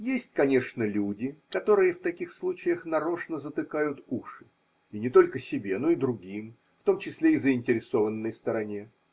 Есть, конечно, люди, которые в таких случаях нарочно затыкают уши – и не только себе, но и другим, в том числе и заинтересованной стороне